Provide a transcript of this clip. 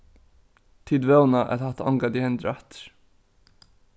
tit vóna at hatta ongantíð hendir aftur